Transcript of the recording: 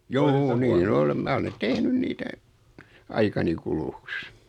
juu niin olen minä olen tehnyt niitä aikani kuluksi